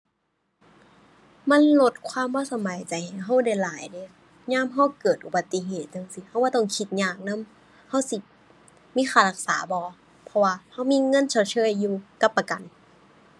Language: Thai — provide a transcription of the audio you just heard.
มันลดความบ่สบายใจให้เราได้หลายเดะ ยามเราเกิดอุบัติเหตุจั่งซี้ เราบ่ต้องคิดยากนำ เราสิมีค่ารักษาบ่ เพราะว่าเรามีเงินชดเชยอยู่กับประกัน